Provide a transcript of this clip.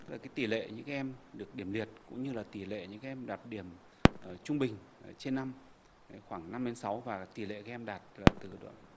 cái tỷ lệ những em được điểm liệt cũng như là tỷ lệ những em đạt điểm trung bình trên năm khoảng năm đến sáu và tỉ lệ các em đạt từ đoạn